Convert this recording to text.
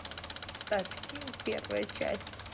тачки первая часть